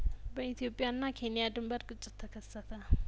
በኢትዮጵያ ና ኬንያ ድንበር ግጭት ተከሰተ